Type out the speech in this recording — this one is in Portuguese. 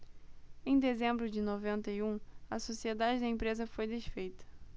em dezembro de noventa e um a sociedade da empresa foi desfeita